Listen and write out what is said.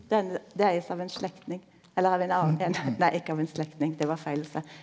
den det eiges av ein slektning eller av ein annan nei ikkje av ein slektning det var feil å seie.